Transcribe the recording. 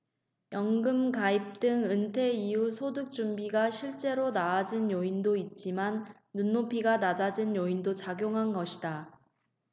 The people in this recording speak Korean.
연금 가입 등 은퇴 이후 소득 준비가 실제로 나아진 요인도 있지만 눈높이가 낮아진 요인도 작용한 것이다